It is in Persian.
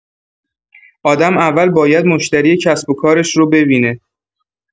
آدم اول باید مشتری کسب‌وکارش رو ببینه.